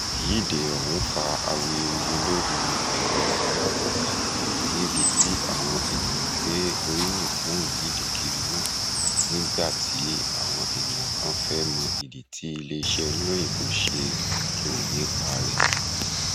Ìyíde ọ̀hún fa awuyewuye lórí ẹ̀rọ-alátagbà níbi tí àwọn ènìyàn gbé oríyìn fún ìyíde kiri náà nígbà tí àwọn ènìyàn kan fẹ́ mọ ìdí tí ilé iṣẹ́ oníròyìn kò ṣe rò nípa rẹ̀.